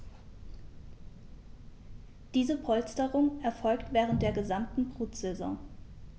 Diese Polsterung erfolgt während der gesamten Brutsaison.